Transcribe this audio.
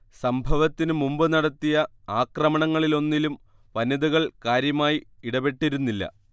സംഭവത്തിനു മുമ്പ് നടത്തിയ ആക്രമണങ്ങളിലൊന്നിലും വനിതകൾ കാര്യമായി ഇടപെട്ടിരുന്നില്ല